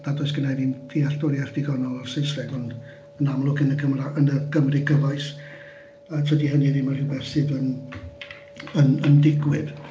Nad oes gynna i ddim dealltwriaeth digonol o'r Saesneg, ond yn amlwg yn y gymra- yn y Gymru gyfoes yy tydi hynny ddim yn rhywbeth sydd yn yn digwydd.